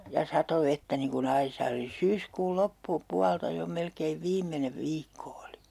ja satoi vettä niin kuin aisaa oli syyskuun loppupuolta jo melkein viimeinen viikko oli